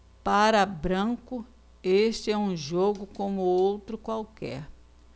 para branco este é um jogo como outro qualquer